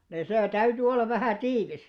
niin se täytyi olla vähän tiivis